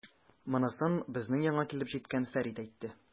Монысын безнең янга килеп җиткән Фәрит әйтте.